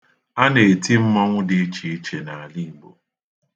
A na-eti mmọnwụ dị iche iche n'ala Igbo.